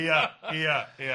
Ia, ia, ia.